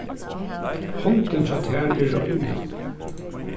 hondin hjá tær er rein